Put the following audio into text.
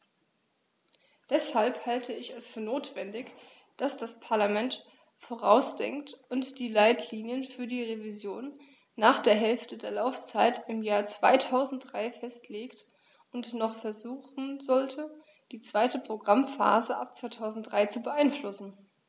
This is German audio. Deshalb halte ich es für notwendig, dass das Parlament vorausdenkt und die Leitlinien für die Revision nach der Hälfte der Laufzeit im Jahr 2003 festlegt und noch versuchen sollte, die zweite Programmphase ab 2003 zu beeinflussen.